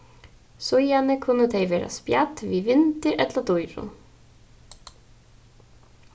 síðani kunnu tey verða spjadd við vindi ella dýrum